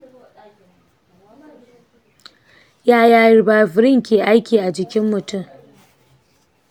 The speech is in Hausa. yaya ribavirin ke aiki a jikin mutum?